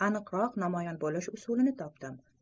aniqroq namoyon bo'lish usulini topdim